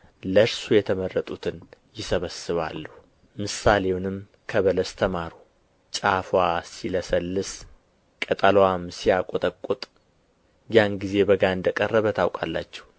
ለእርሱ የተመረጡትን ይሰበስባሉ ምሳሌውንም ከበለስ ተማሩ ጫፍዋ ሲለሰልስ ቅጠልዋም ሲያቈጠቍጥ ያን ጊዜ በጋ እንደ ቀረበ ታውቃላችሁ